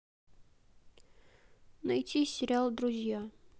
найти сериал друзья